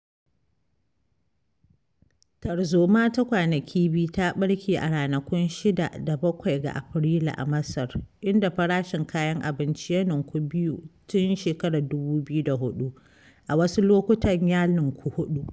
Tarzoma ta kwanaki biyu ta ɓarke a ranakun 6 da 7 ga Afrilu a Masar, inda farashin kayan abinci ya ninku biyu tun 2004 (a wasu lokutan ya ninku huɗu).